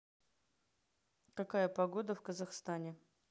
какая погода в казахстане